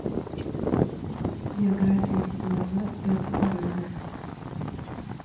география седьмой класс пятый параграф